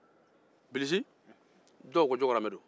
dɔw ko bilisi ye jɔkɔrɔmɛ